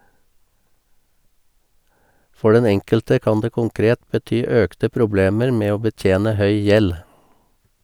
For den enkelte kan det konkret bety økte problemer med å betjene høy gjeld.